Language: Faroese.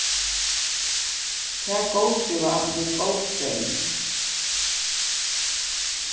tað góðskriva vit golfstreyminum